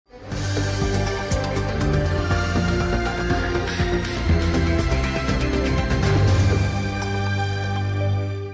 Wa